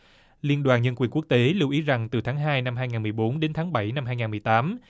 liên đoàn nhân quyền quốc tế lưu ý rằng từ tháng hai năm hai ngàn mười bốn đến tháng bảy năm hai ngàn mười tám